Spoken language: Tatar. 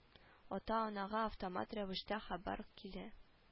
Ата-анага автомат рәвештә хәбәр килә